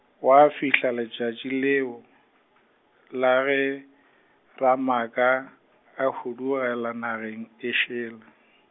gwa fihla letšatši leo , la ge, Ramaaka a hudugela nageng e šele.